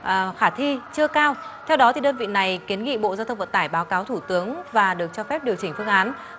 và khả thi chưa cao theo đó thì đơn vị này kiến nghị bộ giao thông vận tải báo cáo thủ tướng và được cho phép điều chỉnh phương án